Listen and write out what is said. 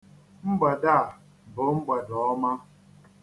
Mgbede a bụ mgbede ọma.